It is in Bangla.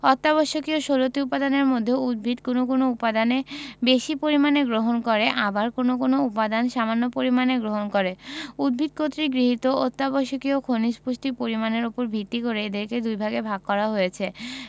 অত্যাবশ্যকীয় ১৬ টি উপাদানের মধ্যে উদ্ভিদ কোনো কোনো উপাদান বেশি পরিমাণে গ্রহণ করে আবার কোনো কোনো উপাদান সামান্য পরিমাণে গ্রহণ করে উদ্ভিদ কর্তৃক গৃহীত অত্যাবশ্যকীয় খনিজ পুষ্টির পরিমাণের উপর ভিত্তি করে এদেরকে দুইভাগে ভাগ করা হয়েছে